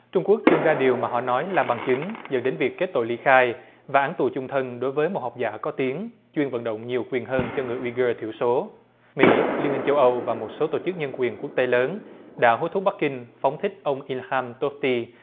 trung quốc trưng ra điều mà họ nói là bằng chứng dẫn đến việc kết tội ly khai và án tù chung thân đối với một học giả có tiếng chuyên vận động nhiều quyền hơn cho người uy gơ thiểu số mỹ liên minh châu âu và một số tổ chức nhân quyền quốc tế lớn đã hối thúc bắc kinh phóng thích ông li kham tốt ti